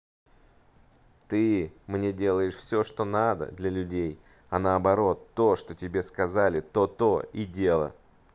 ты мне делаешь все что надо для людей а наоборот то что тебе сказали то то и дело